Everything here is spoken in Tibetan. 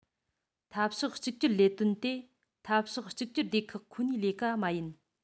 འཐབ ཕྱོགས གཅིག གྱུར ལས དོན དེ འཐབ ཕྱོགས གཅིག གྱུར སྡེ ཁག ཁོ ནའི ལས ཀ མ ཡིན